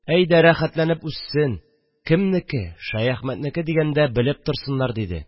Әйдә, рәхәтләнеп үссен, кемнеке – Шәяхмәтнеке дигәндә, белеп торсыннар, диде